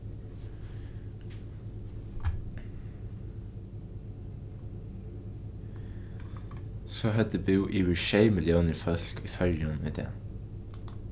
so høvdu búð yvir sjey milliónir fólk í føroyum í dag